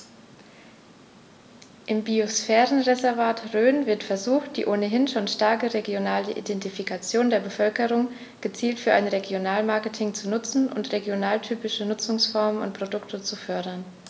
Im Biosphärenreservat Rhön wird versucht, die ohnehin schon starke regionale Identifikation der Bevölkerung gezielt für ein Regionalmarketing zu nutzen und regionaltypische Nutzungsformen und Produkte zu fördern.